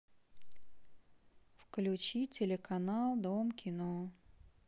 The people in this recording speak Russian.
включи телеканал дом кино